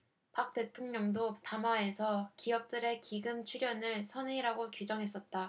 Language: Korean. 박 대통령도 담화에서 기업들의 기금 출연을 선의라고 규정했었다